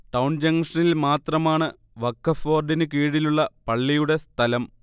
town ജങ്ഷനിൽമാത്രമാണ് വഖഫ് ബോർഡിന് കീഴിലുള്ള പള്ളിയുടെ സ്ഥലം